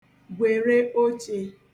gwère ochē